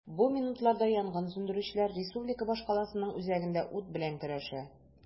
Бу минутларда янгын сүндерүчеләр республика башкаласының үзәгендә ут белән көрәшә.